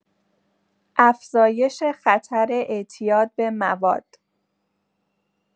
افزایش خطر اعتیاد به مواد